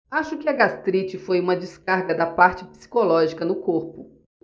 acho que a gastrite foi uma descarga da parte psicológica no corpo